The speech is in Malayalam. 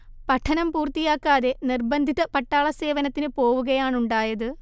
പഠനം പൂർത്തിയാക്കാതെ നിർബദ്ധിത പട്ടാള സേവനത്തിനു പോവുകയാണുണ്ടായത്